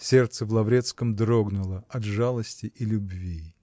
Сердце в Лаврецком дрогнуло от жалости и любви.